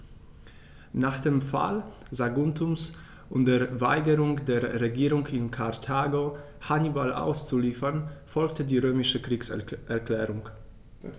Nach dem Fall Saguntums und der Weigerung der Regierung in Karthago, Hannibal auszuliefern, folgte die römische Kriegserklärung.